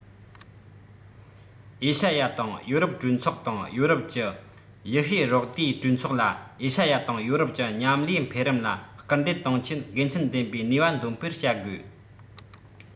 ཨེ ཤེ ཡ དང ཡོ རོབ གྲོས ཚོགས དང ཡོ རོབ ཀྱི དབྱི ཧུའེ རོགས ཟླའི གྲོས ཚོགས ལ ཨེ ཤེ ཡ དང ཡོ རོབ ཀྱི མཉམ ལས འཕེལ རིམ ལ སྐུལ འདེད གཏོང ཆེད དགེ མཚན ལྡན པའི ནུས པ འདོན སྤེལ བྱ དགོས